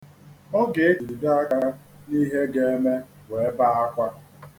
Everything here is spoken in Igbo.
Ọ ga-ejido aka n'ihe ga-eme wee bee akwa.